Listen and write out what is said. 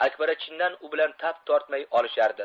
akbara chindan u bilan tap tortmay olishardi